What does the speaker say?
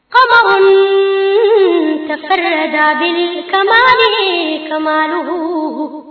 Faamasonin cɛ da ka min kadugu